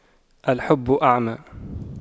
الحب أعمى